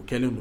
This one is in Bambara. O kɛlen